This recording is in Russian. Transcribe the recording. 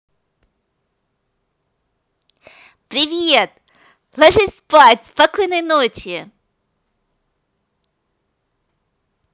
привет ложись спать спокойной ночи